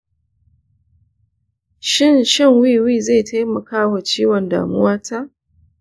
shin shan wiwi zai taimakawa ciwon damuwa ta?